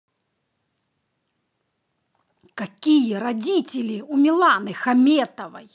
какие родители у миланы хаметовой